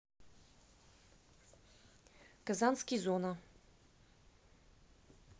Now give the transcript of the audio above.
казанский зона